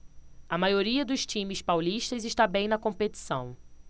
a maioria dos times paulistas está bem na competição